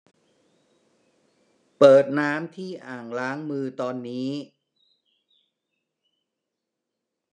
เปิดน้ำที่อ่างล้างมือตอนนี้